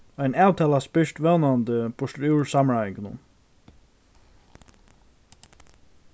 ein avtala spyrst vónandi burtur úr samráðingunum